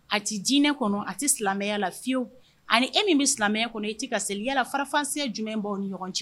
A ti dinɛ kɔnɔ, a ti silamɛya la fiyewu ani e min bɛ silamɛya kɔnɔ i tɛ ka seli yala farafansiya jumɛn b'aw ni ɲɔgɔn cɛ?